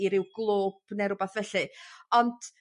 i ryw glwb ne' rwbath felly ond